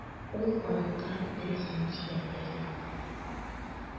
Ул халыкка дөресен сөйләп бирде.